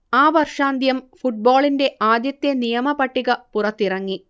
ആ വർഷാന്ത്യം ഫുട്ബോളിന്റെ ആദ്യത്തെ നിയമ പട്ടിക പുറത്തിറങ്ങി